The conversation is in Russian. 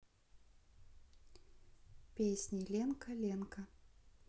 песни ленка ленка